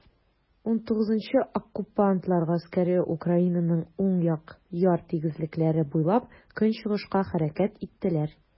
XIX Оккупантлар гаскәре Украинаның уң як яр тигезлекләре буйлап көнчыгышка хәрәкәт иттеләр.